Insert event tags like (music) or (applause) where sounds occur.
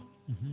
(hesitation) (hesitation)